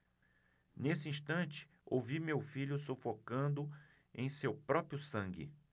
nesse instante ouvi meu filho sufocando em seu próprio sangue